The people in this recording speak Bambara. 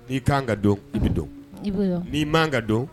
N'i k kan ka don i bɛ dɔn ni m' kan ka don